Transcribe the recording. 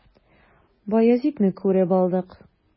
Баязитны күреп алдык.